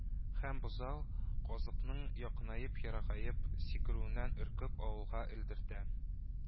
Һәм бозау, казыкның якынаеп-ерагаеп сикерүеннән өркеп, авылга элдертә